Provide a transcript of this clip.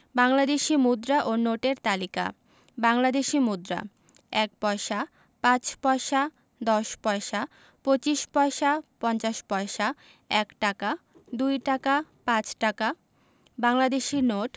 বাংলাদেশি মুদ্রা ও নোটের তালিকাঃ বাংলাদেশি মুদ্রাঃ ১ পয়সা ৫ পয়সা ১০ পয়সা ২৫ পয়সা ৫০ পয়সা ১ টাকা ২ টাকা ৫ টাকা বাংলাদেশি নোটঃ